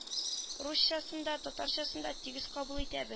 Русчасын да татарчасын да тигез кабул итә